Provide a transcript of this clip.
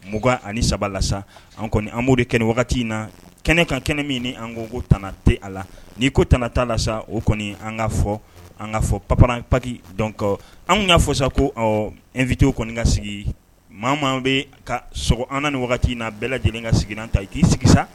Mugan ani sabala sa an kɔni an b' kɛnɛ wagati in na kɛnɛ ka kɛnɛ min ɲini an ko ko t tɛ a la nii ko t taa la sa o kɔni an ka fɔ an ka fɔ papra paki dɔn kɔ an'a fɔ sa ko ɔ n vtw kɔni ka sigi maa' bɛ ka sogo an ni wagati in na bɛɛ lajɛlen ka sigian ta i k'i sigi sa